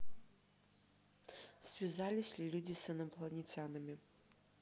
связывались ли люди с инопланетянами